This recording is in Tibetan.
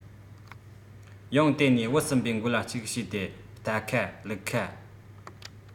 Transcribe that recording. ཡང དེ ནས བུ གསུམ པའི མགོ ལ གཅིག ཞུས ཏེ རྟ ཁ ལུག ཁ